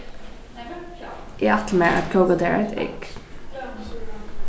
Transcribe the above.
eg ætli mær at kóka tær eitt egg